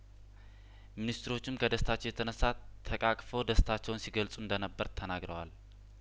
ሚኒስትሮቹም ከደስታቸው የተነሳ ተቃ ቅፈው ደስታቸውን ሲገልጹ እንደነበር ተናግረዋል